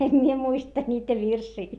en minä muista niitä virsiä